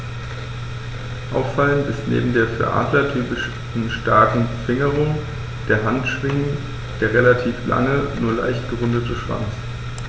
Auffallend ist neben der für Adler typischen starken Fingerung der Handschwingen der relativ lange, nur leicht gerundete Schwanz.